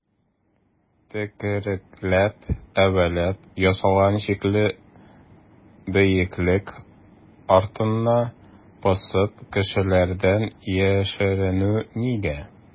Төкерекләп-әвәләп ясалган шикле бөеклек артына посып кешеләрдән яшеренү нигә?